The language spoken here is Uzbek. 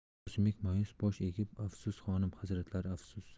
qosimbek mayus bosh egib afsus xonim hazratlari afsus